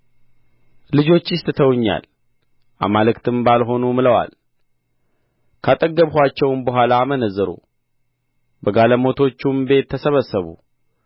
ልጆችሽ ትተውኛል አማልክትም ባልሆኑ ምለዋል ካጠገብኋቸውም በኋላ አመነዘሩ በጋለሞቶቹም ቤት ተሰበሰቡ